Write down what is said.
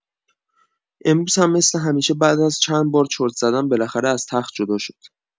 امروز هم مثل همیشه پس از چند بار چرت زدن بالاخره از تخت جدا شد.